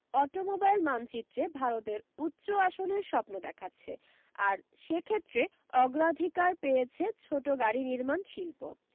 automobile মানচিত্রে ভারতের উচ্চ আসনের স্বপ্ন দেখাচ্ছে আর সে ক্ষেত্রে অগ্রাধিকার পেয়েছে ছোট গাড়ী নির্মাণ শিল্প